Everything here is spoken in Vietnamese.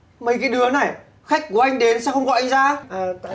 mấy cái đứa này khách của anh đến sao không gọi anh ra